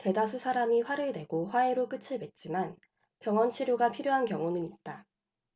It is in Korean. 대다수 사람이 화를 내고 화해로 끝을 맺지만 병원 치료가 필요한 경우는 있다